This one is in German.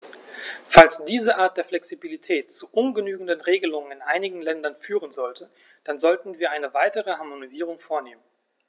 Falls diese Art der Flexibilität zu ungenügenden Regelungen in einigen Ländern führen sollte, dann sollten wir eine weitere Harmonisierung vornehmen.